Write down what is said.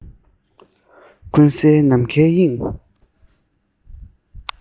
ཀུན གསལ ནམ མཁའི དབྱིངས